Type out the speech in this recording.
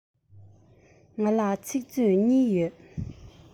ང ལ ཚིག མཛོད གཉིས ཡོད